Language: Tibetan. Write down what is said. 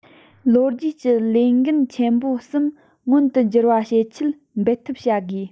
ལོ རྒྱུས ཀྱི ལས འགན ཆེན པོ གསུམ མངོན དུ འགྱུར བ བྱེད ཆེད འབད འཐབ བྱ དགོས